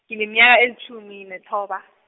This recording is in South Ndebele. ngineminyaka elitjhumi, nethoba.